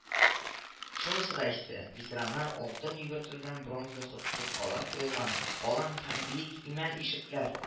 Шунысы да истә, ветераннар алтын йөгертелгән бронза тоткалар куелган калын һәм биек имән ишекләр